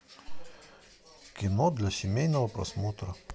кино для семейного просмотра